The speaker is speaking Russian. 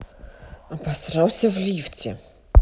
обосрался в лифте